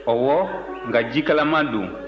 ɔwɔ nka ji kalaman don